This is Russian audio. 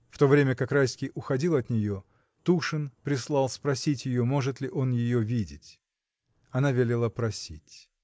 В то время как Райский уходил от нее, Тушин прислал спросить ее, может ли он ее видеть. Она велела просить.